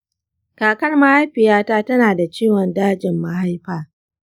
kakar mahaifiyata ta na da ciwon dajin mahaifa